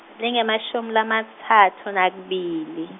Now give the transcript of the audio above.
lingemashumi lamatsatfu nakubili.